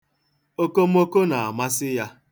Okomoko na-amasị ya.